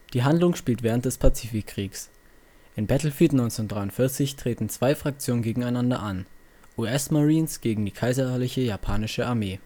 Die Handlung spielt während des Pazifikkrieges. In Battlefield 1943 treten zwei Fraktionen gegeneinander an: US Marines gegen die Kaiserliche Japanische Armee